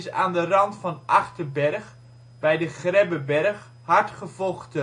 aan de rand van Achterberg bij de Grebbeberg hard gevochten